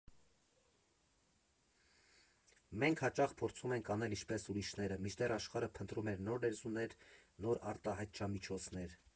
Մենք հաճախ փորձում ենք անել ինչպես ուրիշները, մինչդեռ աշխարհը փնտրում է նոր լեզուներ, նոր արտահայտչամիջոցներ։